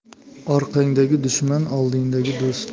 orqangdagi dushman oldingdagi do'st